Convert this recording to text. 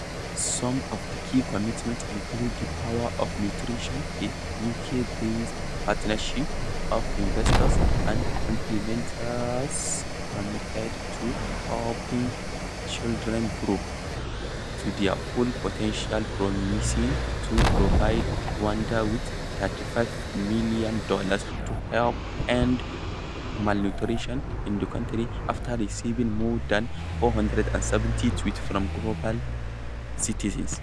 Some of the key commitments include The Power of Nutrition, a U.K. based partnership of investors and implementers committed to "helping children grow to their full potential," promising to provide Rwanda with $35 million to help end malnutrition in the county after receiving more than 4,700 tweets from Global Citizens.